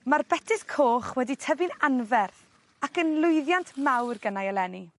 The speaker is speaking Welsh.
Ma'r betys coch wedi tyfu'n anferth ac yn lwyddiant mawr gennai eleni.